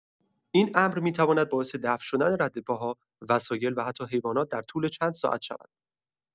این امر می‌تواند باعث دفن‌شدن ردپاها، وسایل و حتی حیوانات در طول چند ساعت شود.